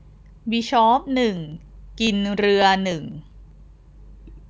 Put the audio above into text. บิชอปหนึ่งกินเรือหนึ่ง